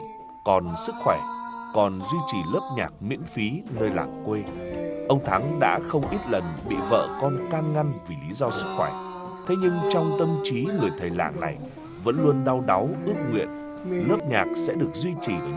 còn sức khỏe còn duy trì lớp nhạc miễn phí người lãng quên ông thắm đã không ít lần bị vợ con can ngăn vì lý do sức khỏe thế nhưng trong tâm trí người thầy làng này vẫn luôn đau đáu ước nguyện lớp nhạc sẽ được duy trì